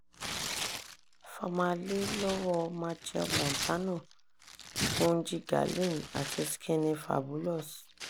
3. "Famalay" lọ́wọ́ọ Machel Montano, Bunji Garlin àti Skinny Fabulous